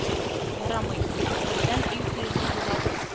Ярамый. Бердән, өй кыегы буйлап